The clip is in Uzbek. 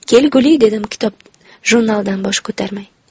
kel guli dedim jurnaldan bosh ko'tarmay